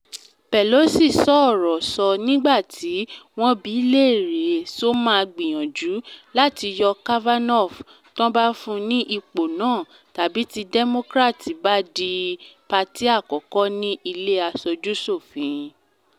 Pelosi ṣọ́ ọ̀rọ̀ sọ nígbà tí wọ́n bíi léèrè ṣó máa gbìyànjú láti yọ Kavanaugh t’ọ́n bá fun ní ipò náà tàbí tí Democrats bá di pátì àkọ́kọ́ ni Ile Aṣojú-ṣòfin